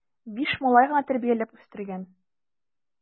Биш малай гына тәрбияләп үстергән!